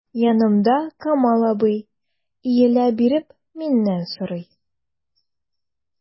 Янымда— Камал абый, иелә биреп миннән сорый.